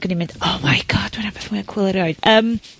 ...ag o'n i'n mynd oh my God ma' wnna peth mwy cŵl erioed. Yym,